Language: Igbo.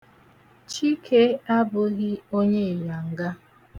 Chike abụghị onye ịnyanga.